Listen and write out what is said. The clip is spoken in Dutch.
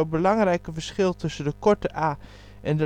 belangrijke verschil tussen korte (a) en